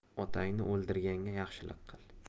otangni o'ldirganga yaxshilik qil